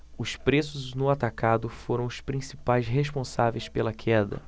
os preços no atacado foram os principais responsáveis pela queda